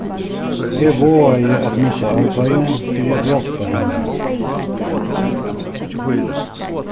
eg vágaði at missa arbeiðið fyri at hjálpa henni